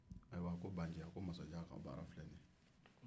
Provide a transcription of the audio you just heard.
a ko masajan ka baara filɛ nin baa nci